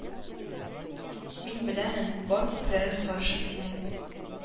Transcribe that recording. Мин беләмен, бар күкләрең, гаршең синең